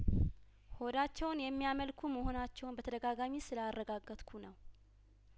ሆዳቸውን የሚያመልኩ መሆናቸውን በተደጋጋሚ ስለአረጋገጥኩ ነው